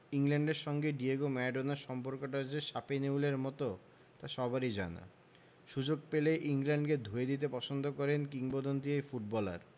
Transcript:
ইংল্যান্ডের সঙ্গে ডিয়েগো ম্যারাডোনার সম্পর্কটা যে শাপে নেউলের মতো তা সবারই জানা সুযোগ পেলেই ইংল্যান্ডকে ধুয়ে দিতে পছন্দ করেন কিংবদন্তি এ ফুটবলার